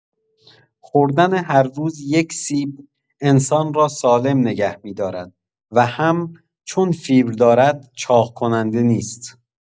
خوردن هر روز یک سیب انسان را سالم نگه می‌دارد و هم چون فیبر دارد چاق‌کننده نیست.